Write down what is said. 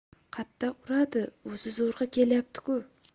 qatta uradi o'zi zo'rg'a kelyapti ku